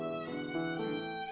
xuân